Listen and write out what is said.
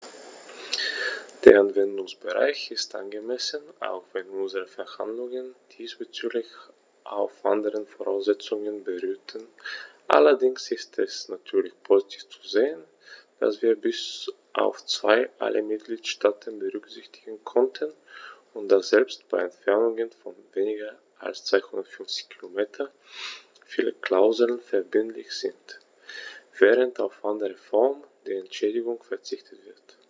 Der Anwendungsbereich ist angemessen, auch wenn unsere Verhandlungen diesbezüglich auf anderen Voraussetzungen beruhten, allerdings ist es natürlich positiv zu sehen, dass wir bis auf zwei alle Mitgliedstaaten berücksichtigen konnten, und dass selbst bei Entfernungen von weniger als 250 km viele Klauseln verbindlich sind, während auf andere Formen der Entschädigung verzichtet wird.